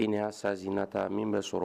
E y'a san zina ta min bɛ sɔrɔ